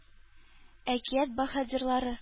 Әкият баһадирлары